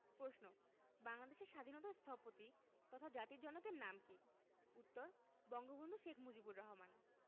প্রশ্ন বাংলাদেশের স্বাধীনতার স্থপতি তথা জাতির জনকের নাম কী উত্তর বঙ্গবন্ধু শেখ মুজিবুর রহমান